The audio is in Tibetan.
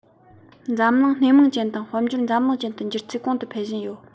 འཛམ གླིང སྣེ མང ཅན དང དཔལ འབྱོར འཛམ གླིང ཅན དུ འགྱུར ཚུལ གོང དུ འཕེལ བཞིན ཡོད